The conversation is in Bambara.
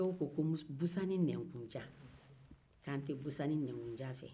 dɔw ko k'an te busanni nɛnkun fɛ jan